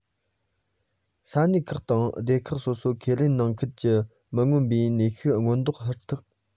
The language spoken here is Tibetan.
ས གནས ཁག དང སྡེ ཁག སོ སོས ཁེ ལས ནང ཁུལ གྱི མི མངོན པའི ནུས ཤུགས སྔོག འདོན ཧུར ཐག